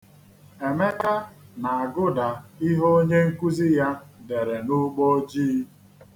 Emeka na-agụda ihe onye nkuzi ya dere n'ụgbọ ojii.